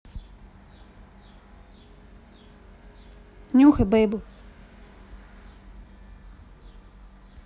нюхай бебу